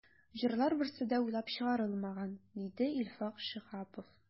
“җырлар берсе дә уйлап чыгарылмаган”, диде илфак шиһапов.